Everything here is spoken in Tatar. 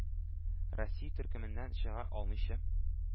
Россия төркемнән чыга алмыйча,